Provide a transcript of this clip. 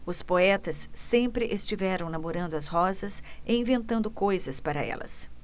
os poetas sempre estiveram namorando as rosas e inventando coisas para elas